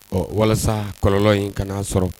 Ɔ walasa kɔlɔlɔ in kana naa sɔrɔ